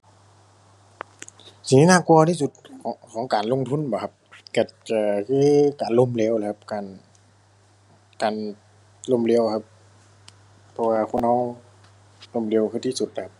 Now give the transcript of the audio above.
สิ่งที่น่ากลัวที่สุดของ ของการลงทุนบ่ครับ ก็จะคือการล้มเหลวแหละครับ การ การล้มเหลวอะครับ เพราะว่าคนก็ล้มเหลวคือที่สุดละครับ